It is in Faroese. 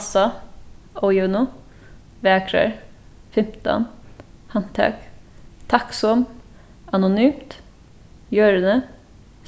passað ójøvnu vakrar fimtan handtak takksom anonymt jørðini